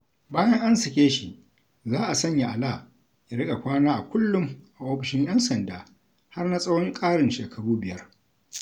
Bayan an sake shi, za a sanya Alaa ya riƙa kwana a kullum a ofishin 'yan sanda har na tsawon ƙarin shekaru biyar.